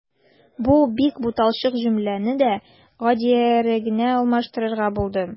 Бу бик буталчык җөмләне дә гадиерәгенә алмаштырырга булдым.